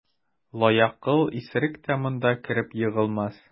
Лаякыл исерек тә монда кереп егылмас.